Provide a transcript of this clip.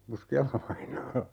Puskiala-vainaa